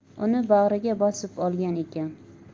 uni bag'riga bosib olgan ekan